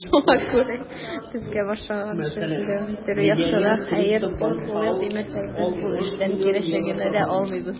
Шуңа күрә безгә башлаган эшебезне дәвам иттерү яхшырак; хәер, хур булыйк димәсәк, без бу эштән кире чигенә дә алмыйбыз.